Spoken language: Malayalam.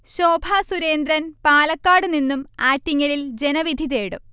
ശോഭസുരേന്ദ്രൻ പാലക്കാട് നിന്നും ആറ്റിങ്ങലിൽ ജനവിധി തേടും